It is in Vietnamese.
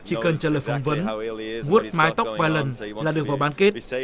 chỉ cần trả lời phỏng vấn vuốt mái tóc vài lần là được vào bán kết